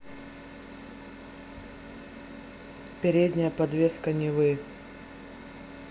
передняя подвеска нивы